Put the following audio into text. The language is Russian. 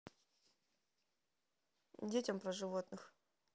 детям про животных